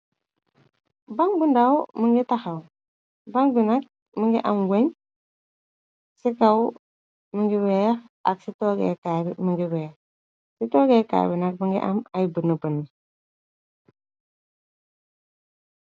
Bang bi ndaw mëngi taxaw bang bi nak më ngi am geñ ci kaw. Mi ngi weex ak c togka mingi weex. Ci toogekaay bi nak mi ngi am ay bën bën.